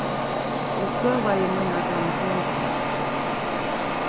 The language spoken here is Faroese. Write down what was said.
eg skøvaði mínar grammofonplátur